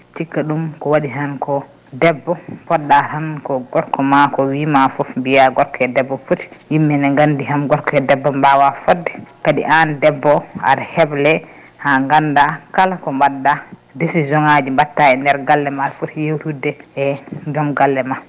cikka ɗum ko waɗi hen ko debbo poɗɗa tan ko gorko ma ko wima foof mbiya gorko e debbo pooti yimɓene gandi kam gorko e debbo mbawa fodde kadi an debbo o aɗa heble ha ganda kala ko mbadɗa décision ngji ɗi mbatta e nder galle ma aɗa foti yewtidde e joom galle ma